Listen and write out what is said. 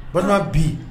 O na bi